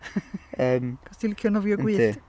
Yym... achos ti'n licio nofio gwyllt... Yndi.